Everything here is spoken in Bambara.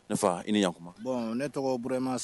Ne fa i ni yan kuma bɔn ne tɔgɔ